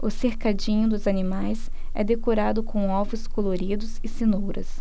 o cercadinho dos animais é decorado com ovos coloridos e cenouras